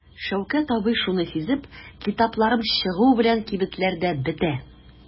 Шәүкәт абый шуны сизеп: "Китапларым чыгу белән кибетләрдә бетә".